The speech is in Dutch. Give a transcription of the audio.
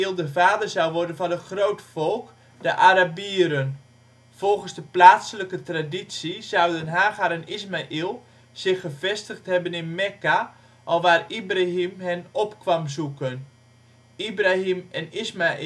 de vader zou worden van een groot volk: de Arabieren. Volgens de plaatselijke traditie hadden Hagar en Ismail zich gevestigd hebben in Mekka, alwaar Ibrahim hen op kwam zoeken. Ibrahim en Ismail